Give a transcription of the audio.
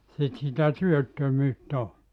sitten sitä työttömyyttä on